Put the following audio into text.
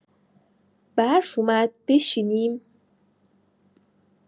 برف اومد بشینیم؟